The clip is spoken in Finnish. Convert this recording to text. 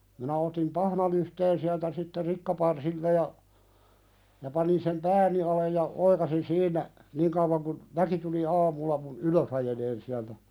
minä otin pahnalyhteen sieltä sitten rikkaparsilta ja ja panin sen pääni alle ja oikaisin siinä niin kauan kun väki tuli aamulla minun ylös ajelemaan sieltä